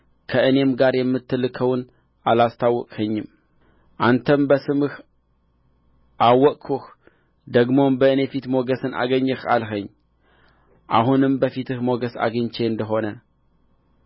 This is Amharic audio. ከእኔም ጋር የምትልከውን አላስታወቅኸኝም አንተም በስምህ አወቅሁህ ደግሞም በእኔ ፊት ሞገስን አገኘህ አልኸኝ አሁንም በፊትህ ሞገስን አግኝቼ እንደ ሆነ